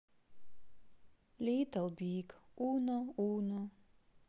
литл биг уно уно